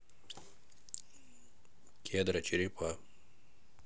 cedro черепа